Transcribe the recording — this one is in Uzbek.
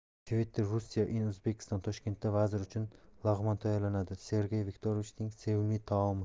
twitter russia in uzbekistan toshkentda vazir uchun lag'mon tayyorlandi sergey viktorovichning sevimli taomi